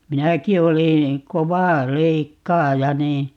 minäkin olin kova leikkaaja niin